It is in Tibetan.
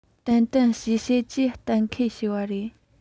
ཏན ཏན བྱེད ཤེས ཀྱི གཏན འཁེལ བྱས པ རེད